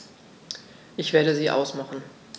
Ich werde sie ausmachen.